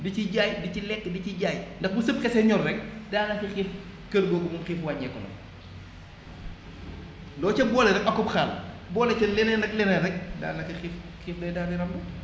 di ci jaay di ci lekk di ci jaay ndax bu sëb xasee ñor rekk daanaka xiif kër googu moom xiif wàññeeku na fa loo ca boole nag akub xaal boole ca leneen ak leneen rekk daanaka xiif xiif day daal di randu